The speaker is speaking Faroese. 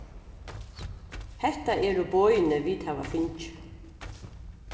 hetta eru boðini vit hava fingið